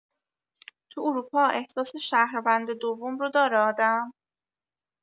تو اروپا احساس شهروند دوم رو داره آدم؟